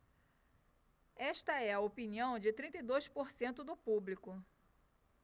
esta é a opinião de trinta e dois por cento do público